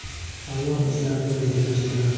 oyoq izlari ko'zga tashlanadi